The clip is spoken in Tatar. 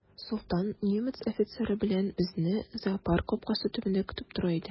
Солтан немец офицеры белән безне зоопарк капкасы төбендә көтеп тора иде.